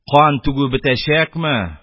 Кан түгү бетәчәкме?